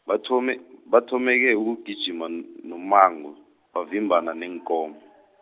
bathome, bathomeke ukugijima n- nommango bavimbana neenkomo.